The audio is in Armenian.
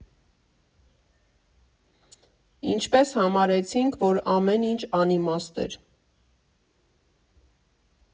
Ինչպես համարեցինք, որ ամեն ինչ անիմաստ էր…